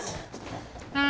vâng